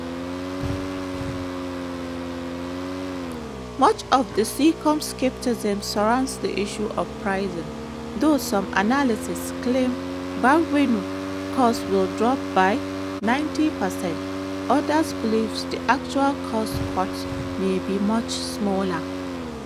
Much of the Seacom skepticism surrounds the issue of pricing: though some analysts claim bandwidth costs will drop by 90 percent, others believe the actual cost cuts may be much smaller.